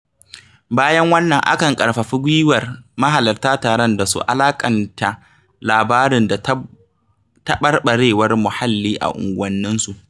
Bayan wannan, akan ƙarfafi guiwar mahalarta taron da su alaƙanta labarin da taɓarɓarewar muhalli a unguwanninsu.